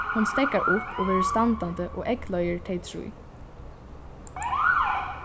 hon steðgar upp og verður standandi og eygleiðir tey trý